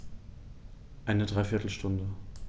Eine dreiviertel Stunde